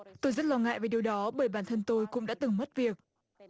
tôi rất lo ngại về điều đó bởi bản thân tôi cũng đã từng mất việc